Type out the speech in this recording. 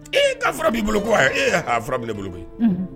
E fura b'i bolo ko ayi e ha furab bolo bɛ